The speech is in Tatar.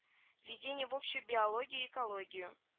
Введение в общую биологию и экологию